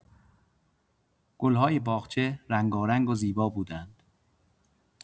گل‌های باغچه رنگارنگ و زیبا بودند.